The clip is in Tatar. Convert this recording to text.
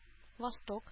Восток